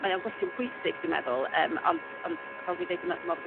mae o'n gwestiwn pwysig dwi'n meddwl yym ond ond fel dwi deud dwi me'l bod y